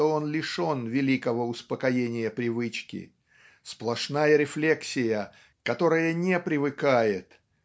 что он лишен великого успокоения привычки. Сплошная рефлексия которая не привыкает